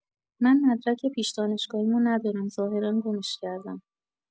من مدرک پیش دانشگاهیمو ندارم ظاهرا گمش کردم.